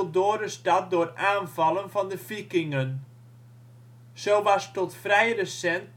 Dorestad door aanvallen van de Vikingen. Zo was tot vrij recent